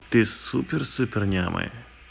ты супер супер нямы